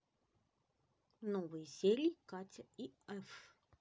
новые серии катя и эф